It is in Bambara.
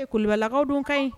Ee ye kulubalilakaw dun ka ɲi